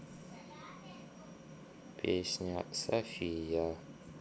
песня софия